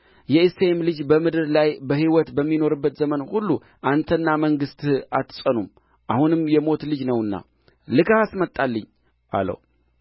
የእሴይም ልጅ በምድር ላይ በሕይወት በሚኖርበት ዘመን ሁሉ አንተና መንግሥትህ አትጸኑም አሁንም የሞት ልጅ ነውና ልከህ አስመጣልኝ አለው